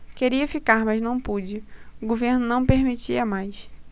queria ficar mas não pude o governo não permitia mais